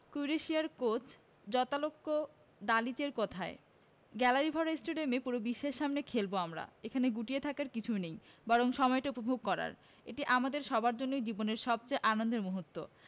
ক্রোয়েশিয়ার coach Zlatko দালিচের কথায় গ্যালারিভরা স্টেডিয়ামে পুরো বিশ্বের সামনে খেলব আমরা এখানে গুটিয়ে থাকার কিছু নেই বরং সময়টা উপভোগ করার এটি আমাদের সবার জন্যই জীবনের সবচেয়ে আনন্দের মুহূর্ত